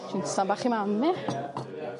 Jinsan bach i mam fi.